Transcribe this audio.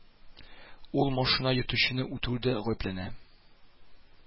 Ул машина йөртүчене үтерүдә гаепләнә